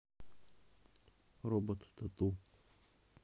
робот тату